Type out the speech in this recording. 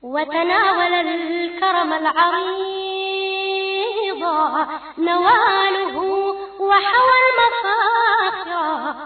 Wa tilekɔrɔ bɔbugu wa